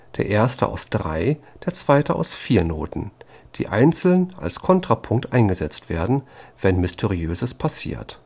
der erste aus drei, der zweite aus vier Noten –, die einzeln als Kontrapunkt eingesetzt werden, wenn Mysteriöses passiert